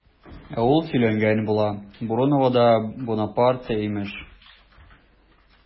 Ә ул сөйләнгән була, Бруновода Бунапарте имеш!